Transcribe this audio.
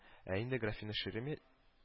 Ә инде графиня Шереме